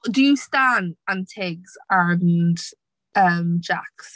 Do you stan Antigs and um Jax?